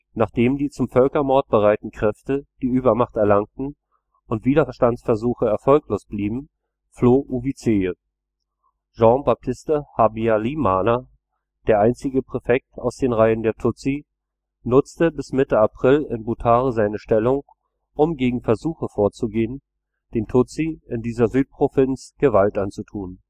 Nachdem die zum Völkermord bereiten Kräfte die Übermacht erlangten und Widerstandsversuche erfolglos blieben, floh Uwizeye. Jean-Baptiste Habyalimana, der einzige Präfekt aus den Reihen der Tutsi, nutzte bis Mitte April in Butare seine Stellung, um gegen Versuche vorzugehen, den Tutsi in dieser Südprovinz Gewalt anzutun